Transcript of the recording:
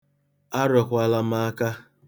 Ọ na-arọ nkịta ya aka n'isi.